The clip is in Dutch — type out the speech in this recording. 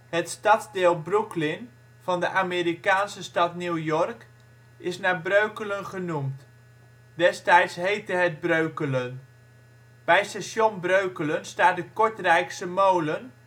Het stadsdeel Brooklyn van de Amerikaanse stad New York is naar Breukelen genoemd. Destijds heette het Breuckelen. Bij Station Breukelen staat de Kortrijkse Molen